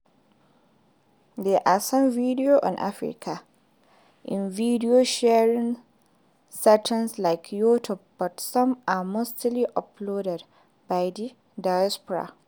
There are some videos on Africa in Video sharing sites like YouTube but those are mostly uploaded by the diaspora.